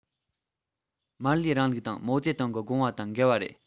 མར ལེའི རིང ལུགས དང མའོ ཙེ ཏུང གི དགོངས པ དང འགལ བ རེད